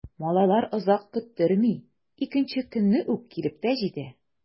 Малайлар озак көттерми— икенче көнне үк килеп тә җитә.